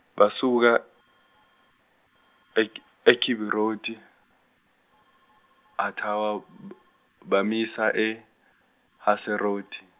basuka , eK- eKibiroti , Hathawa b- bamisa eHaseroti.